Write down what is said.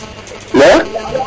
xa